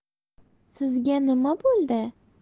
sizga nima bo'ldi